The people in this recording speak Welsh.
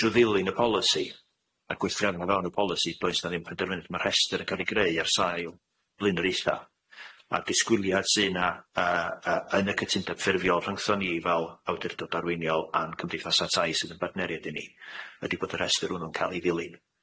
Drw ddilyn y polisi a gweithio arno fewn y polisi does na ddim penderfyniad ma' rhester yn ca'l ei greu ar sail flaenorieitha a disgwyliad sy' na yy yy yn y cytundeb ffurfiol rhyngthon ni fel awdurdod arweiniol a'n cymdeithasa tai sydd yn partneriad i ni ydi bod y rhestr o nw'n ca'l ei ddilyn.